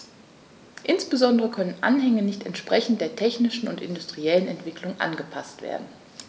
Insbesondere können Anhänge nicht entsprechend der technischen und industriellen Entwicklung angepaßt werden.